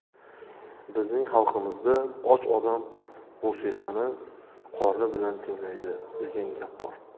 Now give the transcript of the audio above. bizning xalqimizda och odam musiqani qorni bilan tinglaydi degan gap bor